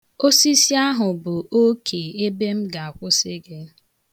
Osisi ahụ bụ oke ebe m ga-akwụsị gị.